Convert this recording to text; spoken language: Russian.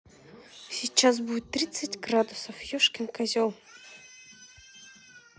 сейчас будет тридцать градусов ешкин козел